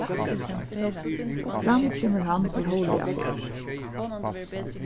fram kemur hann ið hóvliga fer